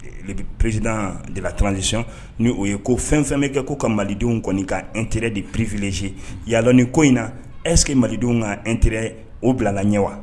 De bɛ peressid delatiransisi ni o ye ko fɛn fɛn bɛ kɛ ko ka malidenw kɔni ka n terir de perepfivilizsi yalani ko in na esse malidenw ka ntr o bila ka ɲɛ wa